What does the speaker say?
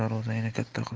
darvozangni katta qil